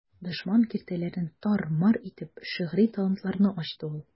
Дошман киртәләрен тар-мар итеп, шигъри талантларны ачты ул.